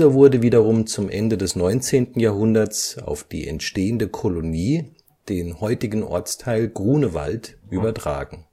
wurde wiederum zum Ende des 19. Jahrhunderts auf die entstehende Kolonie, den heutigen Ortsteil Grunewald, übertragen